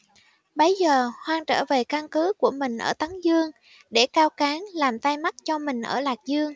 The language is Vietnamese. bấy giờ hoan trở về căn cứ của mình ở tấn dương để cao cán làm tai mắt cho mình ở lạc dương